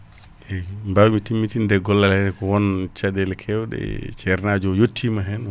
eyyi mbawmi timmitinde e gollal he ko won caɗele kewɗe cernajo o yettima hen